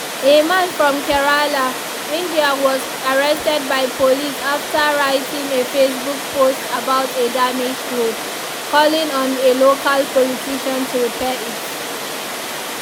A man from Kerala, India was arrested by police after writing a Facebook post about a damaged road, calling on a local politician to repair it.